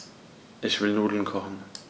Ich will Nudeln kochen.